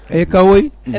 eyyi kawoy